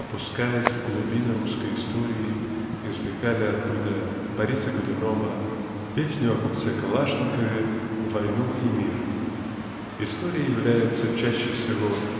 опускаясь в глубины русской истории извлекали оттуда "Бориса Годунова" "Песню о купце Калашникове" "Войну и мир"). История является чаще всего